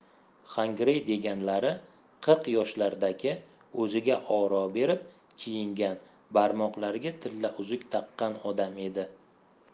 xongirey deganlari qirq yoshlardagi o'ziga oro berib kiyingan barmoqlariga tilla uzuk taqqan odam edi